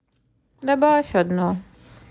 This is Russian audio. добавь одну